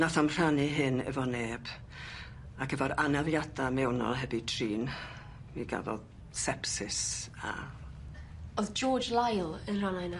Nath o'm rhannu hyn efo neb ac efo'r anafiada mewnol heb 'u trin mi gafodd sepsis a... O 'dd George Lyle yn rhan o hyna?